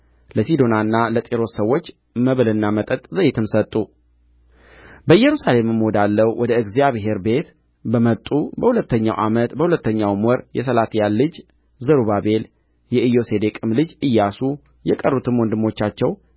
ለሲዶናና ለጢሮስ ሰዎች መብልና መጠጥ ዘይትም ሰጡ በኢየሩሳሌም ወዳለው ወደ እግዚአብሔር ቤት በመጡ በሁለተኛው ዓመት በሁለተኛው ወር የሰላትያል ልጅ ዘሩባቤል የኢዩሴዴቅም ልጅ ኢያሱ የቀሩትም ወንድሞቻቸው